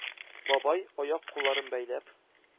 Бабай, аяк-кулларын бәйләп,